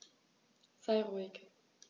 Sei ruhig.